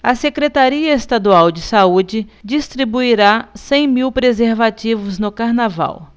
a secretaria estadual de saúde distribuirá cem mil preservativos no carnaval